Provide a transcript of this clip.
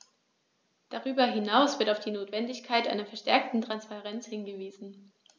Darüber hinaus wird auf die Notwendigkeit einer verstärkten Transparenz hingewiesen.